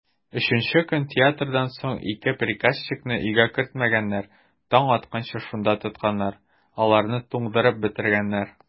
Өченче көн театрдан соң ике приказчикны өйгә кертмәгәннәр, таң атканчы шулай тотканнар, аларны туңдырып бетергәннәр.